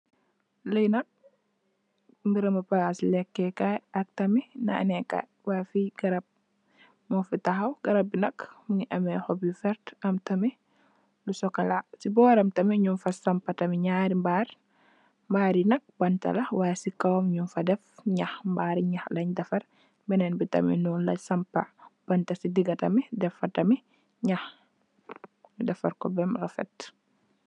Lee nak meremu plase leke kaye ak tamin naane kaye way fee garab mufe tahaw garab be nak muge ameh aye xoop yu verte am tamin lu sukola se boram tamin mufa sampa tamin nyare mbarr mbarre nak banta la way se kawam nugfa def naax mbarre naax len defarr benen be tamin nun len sampa banta se dega tamin def fa tamin naax defarr ku bam refet.